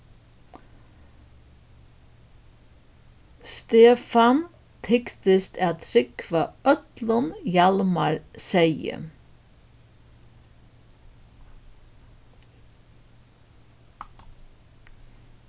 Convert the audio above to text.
stefan tyktist at trúgva øllum hjalmar segði